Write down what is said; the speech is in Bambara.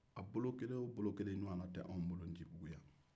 a bolo kelen o bolo kelen ɲɔgɔnna tɛ an bolo ncibugu yan